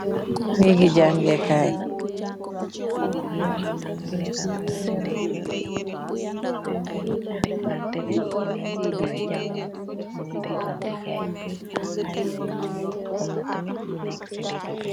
nekeh jankeh gaii .